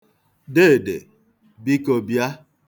Deede, biko, bịa.